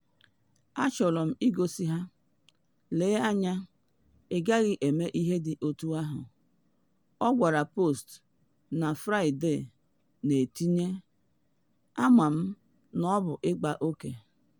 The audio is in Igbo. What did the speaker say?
“Achọrọ m igosi ha, lee anya, ị gaghị eme ihe dị otu ahụ,” ọ gwara Post na Fraịde, na etinye “Ama m na ọ bụ ịkpa oke.”